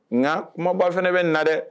Nka kumabɔ fana bɛ na dɛ